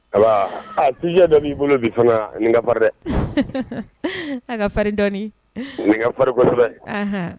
A aa s dɔ b'i bolo bi fana ni ka fari dɛ a ka fa faririn dɔɔnin ninga fari kosɛbɛ